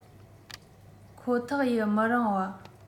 ཁོ ཐག ཡི མི རང བ